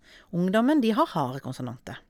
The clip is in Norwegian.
Ungdommen, de har harde konsonanter.